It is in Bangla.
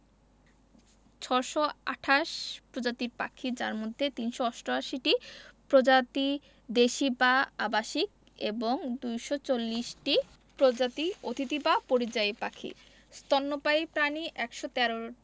৬২৮ প্রজাতির পাখি যার মধ্যে ৩৮৮টি প্রজাতি দেশী বা আবাসিক এবং ২৪০ টি প্রজাতি অতিথি বা পরিযায়ী পাখি স্তন্যপায়ী প্রাণী ১১৩